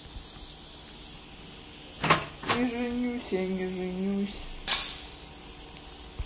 не женюсь я не женюсь